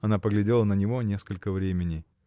Она поглядела на него несколько времени.